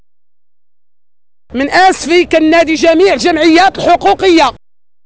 من اسس النادي جميع جمعيات حقوقيه